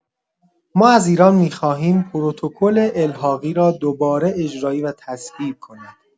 ما از ایران می‌خواهیم پروتکل الحاقی را دوباره اجرایی و تصویب کند.